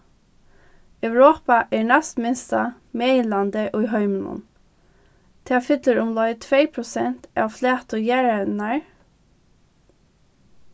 europa er næstminsta meginlandið í heiminum tað fyllir umleið tvey prosent av flatu jarðarinnar